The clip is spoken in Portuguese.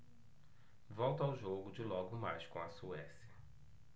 volto ao jogo de logo mais com a suécia